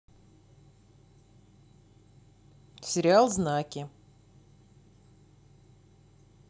сериал знаки